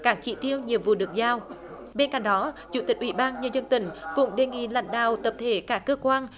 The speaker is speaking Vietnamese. các chỉ tiêu nhiệm vụ được giao bên cạnh đó chủ tịch ủy ban nhân dân tỉnh cũng đề nghị lãnh đạo tập thể các cơ quan